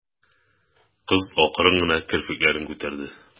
Кыз акрын гына керфекләрен күтәрде.